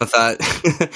Fatha...